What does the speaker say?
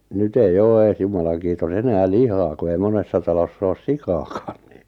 nyt ei ole edes jumalan kiitos enää lihaa kun ei monessa talossa ole sikaakaan niin